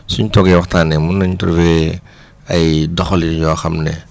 suñ toogee waxtaanee mun nañ trouver ay doxalin yoo xam ne